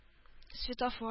Светофор